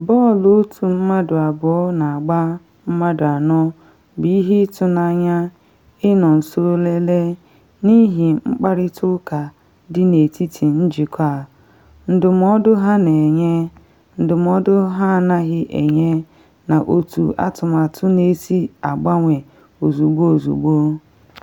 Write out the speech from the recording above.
Bọọlụ otu mmadụ abụọ na agba mmadụ anọ bụ ihe ịtụ n’anya ịnọ nso lelee n’ihi mkparịta ụka dị na etiti njikọ a, ndụmọdụ ha na-enye, ndụmọdụ ha anaghị enye na otu atụmatụ na-esi agbanwe ozugbo ozugbo.